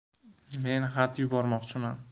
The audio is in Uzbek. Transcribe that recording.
men xat yubormoqchiman